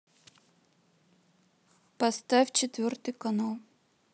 поставь четвертый канал